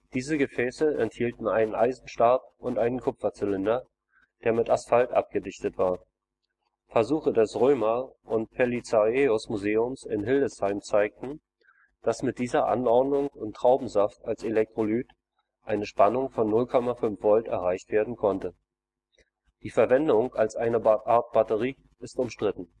Diese Gefäße enthielten einen Eisenstab und einen Kupferzylinder, der mit Asphalt abgedichtet war. Versuche des Roemer - und Pelizaeus-Museums in Hildesheim zeigten, dass mit dieser Anordnung und Traubensaft als Elektrolyt eine Spannung von 0,5 V erreicht werden konnte. Die Verwendung als eine Art Batterie ist umstritten